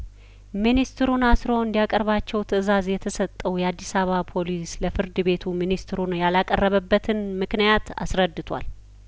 ሚኒስትሩን አስሮ እንዲያቀርባቸው ትእዛዝ የተሰጠው የአዲስአባ ፖሊስ ለፍርድ ቤቱ ሚኒስትሩን ያላቀረበበትን ምክንያት አስረድቷል